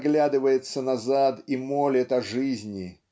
оглядывается назад и молит о жизни